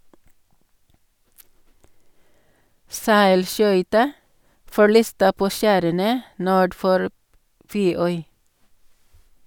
Seilskøyta forliste på skjærene nord for Feøy.